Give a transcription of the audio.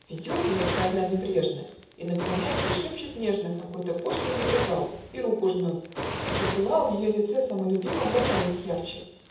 Ведет ее, скользя небрежно, И, наклонясь, ей шепчет нежно Какой-то пошлый мадригал, И руку жмет - и запылал В ее лице самолюбивом Румянец ярче.